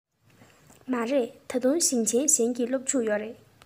མ རེད ད དུང ཞིང ཆེན གཞན གྱི སློབ ཕྲུག ཡོད རེད